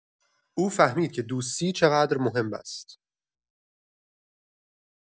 او فهمید که دوستی چقدر مهم است.